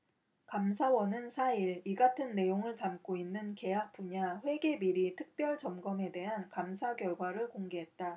감사원은 사 일 이 같은 내용을 담고 있는 계약 분야 회계비리 특별점검에 대한 감사 결과를 공개했다